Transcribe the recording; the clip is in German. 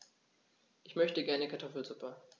Ich möchte gerne Kartoffelsuppe.